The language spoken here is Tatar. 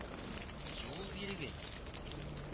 Юл бирегез